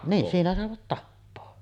niin siinä saivat tappaa